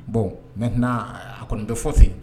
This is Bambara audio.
Bon maintenant a kɔnni bɛ fɔ u fɛ yen nɔ.